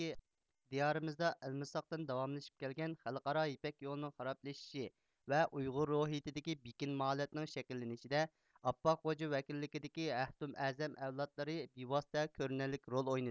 دىيارىمىزدا ئەلمىساقتىن داۋاملىشىپ كەلگەن خەلقئارا يىپەك يولىنىڭ خارابلىشىشى ۋە ئۇيغۇر روھىيتىدىكى بېكىنمە ھالەتنىڭ شەكىللىنىشىدە ئاپپاق خوجا ۋەكىللىكىدىكى ھەختۇم ئەزەم ئەۋلادلىرى بىۋاستە كۆرۈنەرلىك رول ئوينىدى